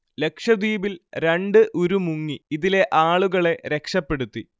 ലക്ഷദ്വീപിൽ രണ്ട് ഉരു മുങ്ങി ഇതിലെആളുകളെ രക്ഷപെടുത്തി